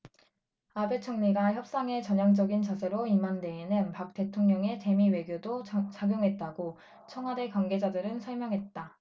아베 총리가 협상에 전향적인 자세로 임한 데에는 박 대통령의 대미 외교도 작용했다고 청와대 관계자들은 설명했다